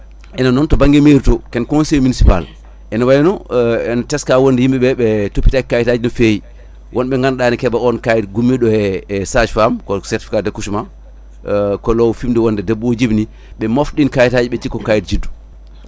enen noon to banggue mairie to ken conseil municipal ene wayno ene teska wonde yimɓeɓe ɓe toppitaki kayitaji no fewi wonɓe ganduɗa ne keeɓa on kayit gummiɗo e e sage femme certificat d' accouchement kollowo fimde wonde debbo o jibini ɓe mofta ɗin kayitaji ɓe cikka ko kayite juddu